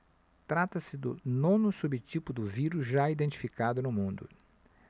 trata-se do nono subtipo do vírus já identificado no mundo